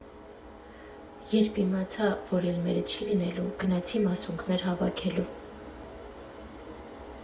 «Երբ իմացա, որ էլ մերը չի լինելու, գնացի մասունքներ հավաքելու»։